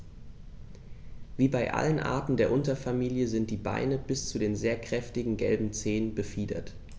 Wie bei allen Arten der Unterfamilie sind die Beine bis zu den sehr kräftigen gelben Zehen befiedert.